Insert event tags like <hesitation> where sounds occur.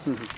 <hesitation> <hesitation> <noise>